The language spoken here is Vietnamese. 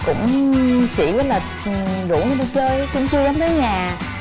cũng chỉ biết là rủ nó đi chơi cũng chưa dám tới nhà